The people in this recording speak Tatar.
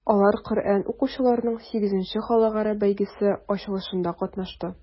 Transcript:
Алар Коръән укучыларның VIII халыкара бәйгесе ачылышында катнашты.